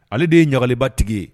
Ale de ye ɲagaleba tigi ye.